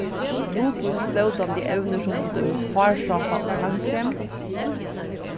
lutvíst flótandi evnir sum til dømis hársápa og tannkrem